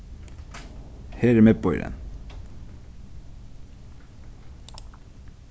her er miðbýurin